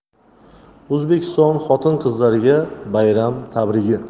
o'zbekiston xotin qizlariga bayram tabrigi